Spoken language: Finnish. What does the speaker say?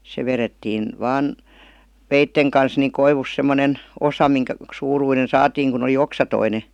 se vedettiin vain veitsen kanssa niin koivusta semmoinen osa minkä suuruinen saatiin kun oli oksaton